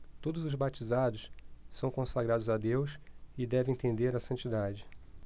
todos os batizados são consagrados a deus e devem tender à santidade